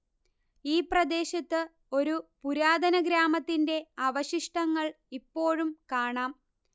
ഈ പ്രദേശത്ത് ഒരു പുരാതന ഗ്രാമത്തിന്റെ അവശിഷ്ടങ്ങൾ ഇപ്പോഴും കാണാം